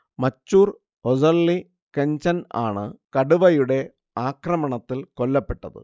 മച്ചൂർ ഹൊസള്ളി കെഞ്ചൻ ആണ് കടുവയുടെ ആക്രമണത്തിൽ കൊല്ലപ്പെട്ടത്